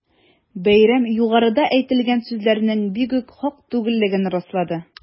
Бәйрәм югарыда әйтелгән сүзләрнең бигүк хак түгеллеген раслады.